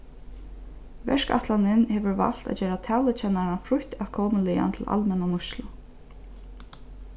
verkætlanin hevur valt at gera talukennaran frítt atkomuligan til almenna nýtslu